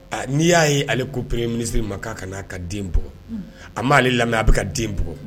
Aaa n'i y'a ye ale koperee minisiriri ma ka n'a ka denug a m'ale lamɛn a bɛ ka denug